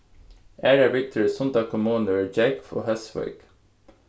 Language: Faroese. aðrar bygdir í sunda kommunu eru gjógv og hósvík